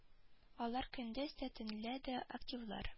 Алар көндез дә төнлә дә активлар